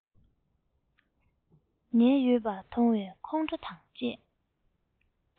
ཉལ ཡོད པ མཐོང བས ཁོང ཁྲོ དང བཅས